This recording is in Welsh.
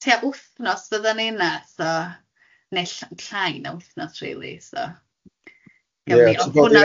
...tua wthnos fyddan ni yna so neu ll- llai na wthnos rili so, iawn ni oedd hwnna byd...